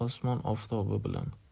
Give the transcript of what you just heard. osmon oftobi bilan